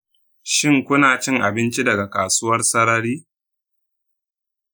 shin kuna cin abinci daga kasuwar sarari